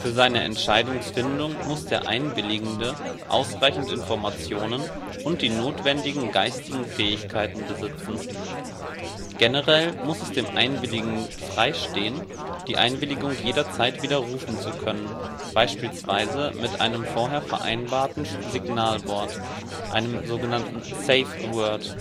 seine Entscheidungsfindung muss der Einwilligende ausreichend Informationen und die notwendigen geistigen Fähigkeiten besitzen. Generell muss es dem Einwilligenden freistehen, die Einwilligung jederzeit widerrufen zu können, beispielsweise mit einem vorher vereinbarten Signalwort, einem sogenannten Safeword